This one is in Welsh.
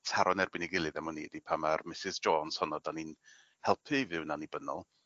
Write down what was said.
taro yn erbyn 'i gilydd am wn i 'di pan ma'r Misys Jones honno 'dan ni'n helpu i fyw'n annibynnol